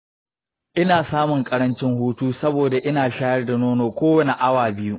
ina samun ƙarancin hutu saboda ina shayar da nono kowane awa biyu.